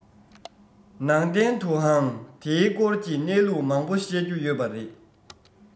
ནང བསྟན དུའང འདིའི སྐོར གྱི གནས ལུགས མང པོ བཤད རྒྱུ ཡོད པ རེད